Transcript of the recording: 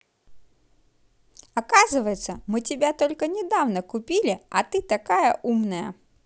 оказывается мы тебя только недавно купили а ты такая умная